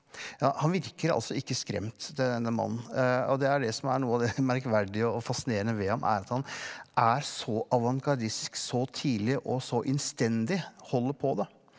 ja han virker altså ikke skremt denne mannen og det er det som er noe av det merkverdige og fasinerende ved ham er at han er så avantgardistisk så tidlig og så innstendig holder på det.